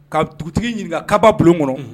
Ka dugutigi ɲini kababa bulon kɔnɔ